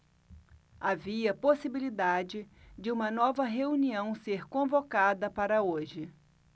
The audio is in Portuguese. havia possibilidade de uma nova reunião ser convocada para hoje